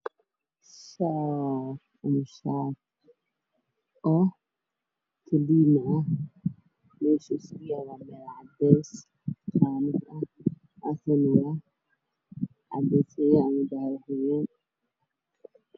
Waa carwo waxaa iga muuqda dhar ka shati midabkiisi yahay cadays iyo diracayaal waxayna saaran yihiin iska faallo